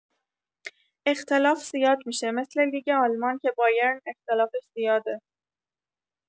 اختلاف زیاد می‌شه مثل لیگ آلمان که بایرن اختلافش زیاده